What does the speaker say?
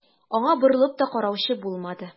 Аңа борылып та караучы булмады.